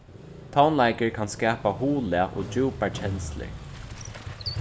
tónleikur kann skapa huglag og djúpar kenslur